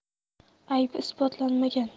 aybi isbotlanmagan